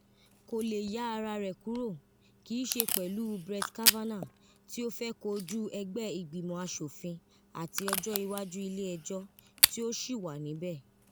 Kole ya ara rẹ kúrò, kiiṣe pẹlu Brett Kavanaugh ti o fẹ kọju ẹgbẹ igbimọ aṣofin ati ọjọ iwaju Ile ẹjọ ti o ṣi wa nibẹ.